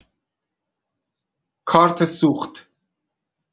کارت سوخت